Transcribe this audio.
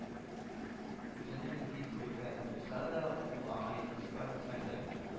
Үзенең дип көлгән булса да, ул аңа игътибар итмәде,